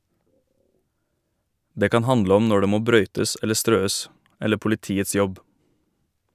Det kan handle om når det må brøytes eller strøes, eller politiets jobb.